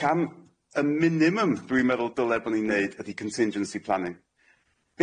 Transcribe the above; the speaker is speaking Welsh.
Cam y minimum dwi'n meddwl dyle bo ni'n neud ydi contingency planning.